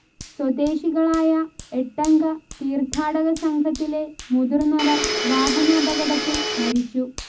സ്വദേശികളായ എട്ടംഗ തീർഥാടക സംഘത്തിലെ മുതിർന്നവർ വാഹനാപകടത്തിൽ മരിച്ചു